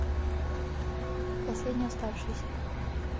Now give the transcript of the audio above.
последний оставшийся